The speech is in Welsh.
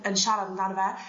yn siarad amdano fe